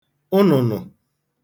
ụnụ̀nụ̀